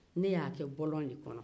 ne y'a kɛ bɔlɔn de kɔnɔ